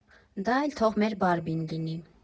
Դա էլ թող մեր Բարբին լինի»։